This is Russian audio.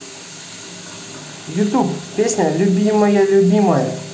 youtube песня любимая любимая